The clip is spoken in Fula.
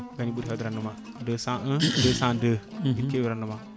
kanƴi ɓuuri hewde rendement 201 202 e ɗi keewi rendement